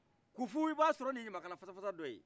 kufu i b' a sɔrɔ nin ye ɲamakala fasafasa dɔ ye